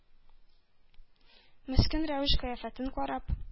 Мескен рәвеш-кыяфәтен карап,